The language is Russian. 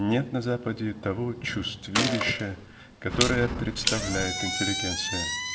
Нет на Западе того чувствилища, которое представляет интеллигенция.